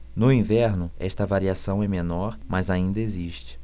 no inverno esta variação é menor mas ainda existe